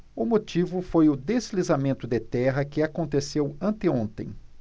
o motivo foi o deslizamento de terra que aconteceu anteontem